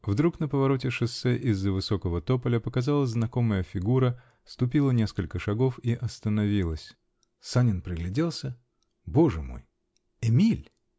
Вдруг на повороте шоссе из-за высокого тополя показалась знакомая фигура, ступила несколько шагов и остановилась. Санин пригляделся. Боже мой! Эмиль!